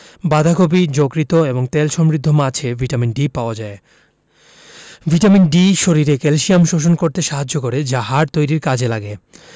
বাঁধাকপি যকৃৎ এবং তেল সমৃদ্ধ মাছে ভিটামিন ডি পাওয়া যায় ভিটামিন ডি শরীরে ক্যালসিয়াম শোষণ করতে সাহায্য করে যা হাড় তৈরীর কাজে লাগে